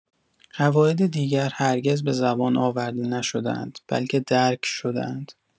قواعد دیگر هرگز به زبان آورده نشده‌اند، بلکه درک شده‌اند.